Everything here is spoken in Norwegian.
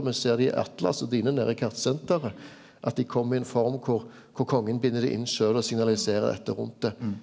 me ser det i atlasa dine nedi kartsenteret at dei kom i ein form kor kor kongen bind det inn sjølv og signaliserer dette rundt det.